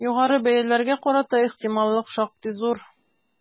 Югары бәяләргә карата ихтималлык шактый зур.